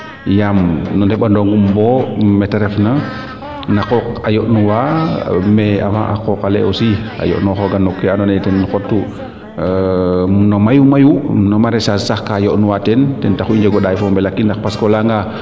yaam no ɗeɓanongum bo mete refna na qooq a yond nuwa mais avant a qoqale aussi o yoɗnoga na qooqale ando naye ten xotu no mayu mayu no maraichage sax kaa yond nuwaa teen ten taxu i njego ɗaay fo o mbelaqinax